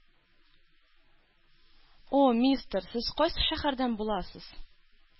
О, мистер, сез кайсы шәһәрдән буласыз?